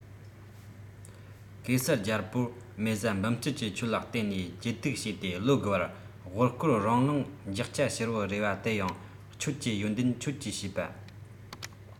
གེ སར རྒྱལ པོར མེ བཟའ འབུམ སྐྱིད ཀྱིས ཁྱོད ལ བརྟེན ནས བརྗེད དུག ཞུས ཏེ ལོ དགུ བར དབུ བསྐོར རིང གླིང འཇག སྐྱ ཕྱུ རེ བ དེ ཡང ཁྱོད ཀྱི ཡོན ཏན ཁྱོད ཀྱི བྱས པ